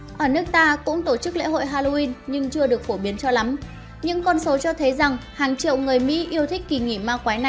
ở nước ta cũng tổ chức lễ hội halloween nhưng chưa được phổ biến cho lắm những con số cho thấy rằng hàng triệu người mỹ yêu thích kỳ nghỉ ma quái này